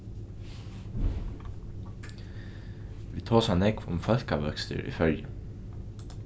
vit tosa nógv um fólkavøkstur í føroyum